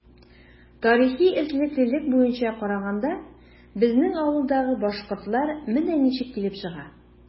Тарихи эзлеклелек буенча караганда, безнең авылдагы “башкортлар” менә ничек килеп чыга.